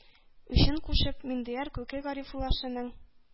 Үчен кушып, миндияр күке гарифулласының